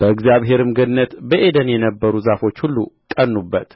በእግዚአብሔርም ገነት በዔድን የነበሩ ዛፎች ሁሉ ቀኑበት